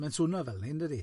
Mae'n swnio fel ni yndydi?